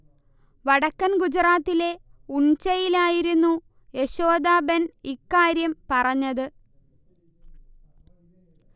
വടക്കൻ ഗുജറാത്തിലെ ഉൺചയിലായിരുന്നു യശോദാ ബെൻ ഇക്കാര്യം പറഞ്ഞത്